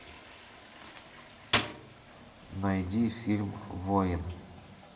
найди фильм воин